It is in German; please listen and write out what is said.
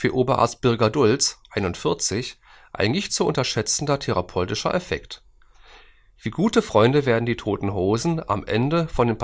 Oberarzt Birger Dulz, 41, ein nicht zu unterschätzender therapeutischer Effekt. Wie gute Freunde werden die Toten Hosen am Ende von